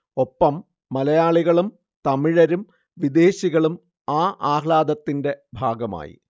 ഒപ്പം മലയാളികളും തമിഴരും വിദേശികളും ആ ആഹ്ളാദത്തിന്റെ ഭാഗമായി